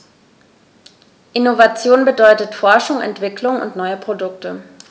Innovation bedeutet Forschung, Entwicklung und neue Produkte.